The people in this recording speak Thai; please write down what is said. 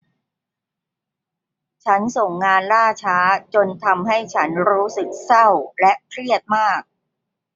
ฉันส่งงานล่าช้าจนทำให้ฉันรู้สึกเศร้าและเครียดมาก